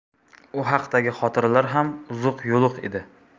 u haqdagi xotiralar ham uzuq yuluq edi